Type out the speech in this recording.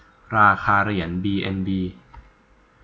ราคาเหรียญบีเอ็นบี